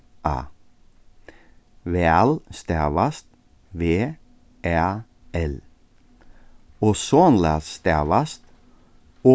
a væl stavast v æ l ozonlag stavast